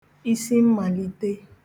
isimmàlite